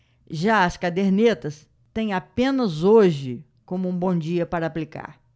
já as cadernetas têm apenas hoje como um bom dia para aplicar